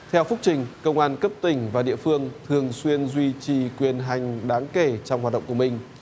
theo phúc trình công an cấp tỉnh và địa phương thường xuyên duy trì quyền hành đáng kể trong hoạt động của mình